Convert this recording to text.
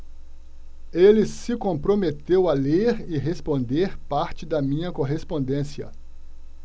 ele se comprometeu a ler e responder parte da minha correspondência